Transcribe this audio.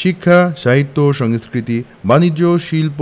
শিক্ষা সাহিত্য সংস্কৃতি বানিজ্য শিল্প